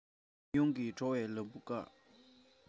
བ མོ ཡོངས ཀྱི འགྲོ བའི ལམ བུ བཀག